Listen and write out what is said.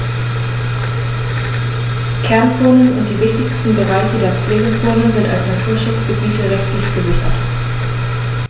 Kernzonen und die wichtigsten Bereiche der Pflegezone sind als Naturschutzgebiete rechtlich gesichert.